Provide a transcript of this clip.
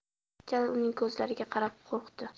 jalil uning ko'zlariga qarab qo'rqdi